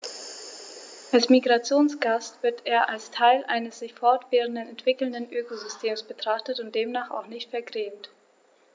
Als Migrationsgast wird er als Teil eines sich fortwährend entwickelnden Ökosystems betrachtet und demnach auch nicht vergrämt.